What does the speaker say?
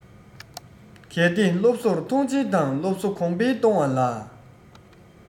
གལ ཏེ སློབ གསོར མཐོང ཆེན དང སློབ གསོ གོང འཕེལ གཏོང བ ལ